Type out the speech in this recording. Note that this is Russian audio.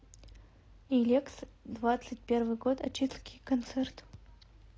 елецк двадцать первый год очистки концерт